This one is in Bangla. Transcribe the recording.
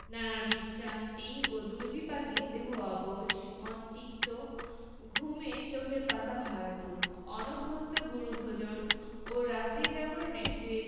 নানাবিধ শ্রান্তি ও দুর্বিপাকে দেহ অবশ মন তিক্ত ঘুমে চোখের পাতা ভারাতুর অনভ্যস্ত গুরু ভোজন ও রাত্রি জাগরণে দু